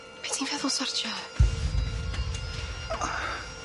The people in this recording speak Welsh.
Be' ti'n feddwl sortio?